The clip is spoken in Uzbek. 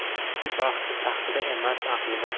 kishi baxti taxtida emas aqlida